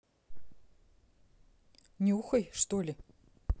нюхай что ли